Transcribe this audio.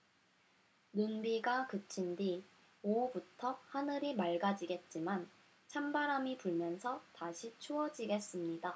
눈비가 그친 뒤 오후부터 하늘이 맑아지겠지만 찬바람이 불면서 다시 추워지겠습니다